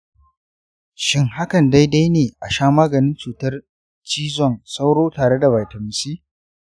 shin hakan daidai ne a sha maganin cutar cizon sauro tare da vitamin c?